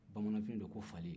bamanan fini do ko falen